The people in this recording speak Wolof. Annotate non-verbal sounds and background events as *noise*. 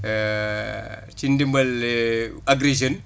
*hesitation* ci dimbal *hesitation* Agri Jeunes